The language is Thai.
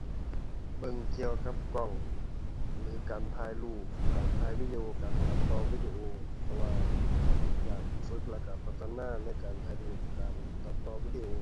เบิ่งเกี่ยวกับกล้องหรือการถ่ายรูป การถ่ายวิดีโอ การตัดต่อวิดีโอ เพราะว่าอยากฝึกแล้วก็พัฒนาในการถ่ายรูป การตัดต่อวิดีโอ